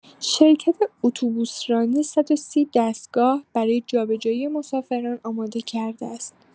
شرکت اتوبوس‌رانی ۱۳۰ دستگاه برای جابجایی مسافران آماده کرده است.